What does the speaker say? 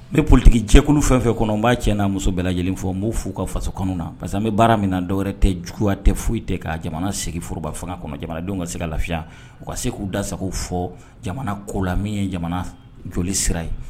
N bɛ politigi cɛkulu fɛn o fɛn kɔnɔ, n b'a cɛ n'a muso bɛɛ lajɛlen fo, n b'o f'o u ka faso kanu la parce que ani bɛ baara min na dɔwɛrɛ tɛ , juguya tɛ foyi tɛ, ka jamana segin foroba fanga kɔnɔ jamanadenw ka se ka lafiya, u ka se k'u dasagow fɔ jamana ko la min ye jamana joli sira ye.